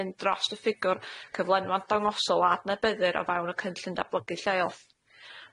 mynd drost y ffigwr cyflenwad dangosol a adnabyddir o fewn y cynllun datblygu lleol.